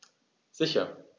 Sicher.